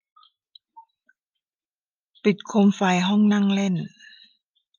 ปิดโคมไฟห้องนั่งเล่น